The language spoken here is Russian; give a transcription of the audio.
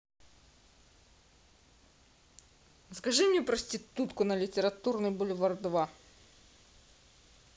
закажи мне проститутку на литературный бульвар два